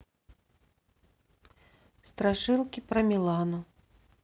страшилки про милану